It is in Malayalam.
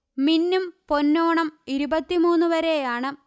മിന്നും പൊന്നോണം ഇരുപത്തിമൂന്ന് വരെയാണ്